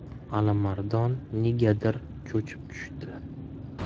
alimardon negadir cho'chib tushdi